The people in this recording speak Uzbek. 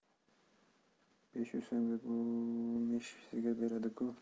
besh yuz so'mga govmish sigir beradi ku